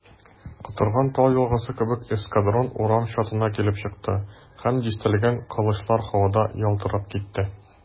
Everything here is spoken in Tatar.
Котырган тау елгасы кебек эскадрон урам чатына килеп чыкты, һәм дистәләгән кылычлар һавада ялтырап китте.